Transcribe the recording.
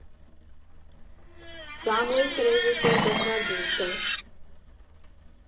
Վաղոյից ռեժիսոր դժվար դուրս գա.